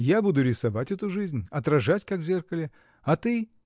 — Я буду рисовать эту жизнь, отражать, как в зеркале, а ты.